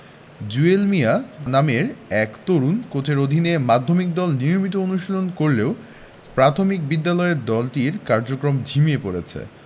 জুয়েল মিয়া নামের এক তরুণ কোচের অধীনে মাধ্যমিক দল নিয়মিত অনুশীলন করলেও প্রাথমিক বিদ্যালয়ের দলটির কার্যক্রম ঝিমিয়ে পড়েছে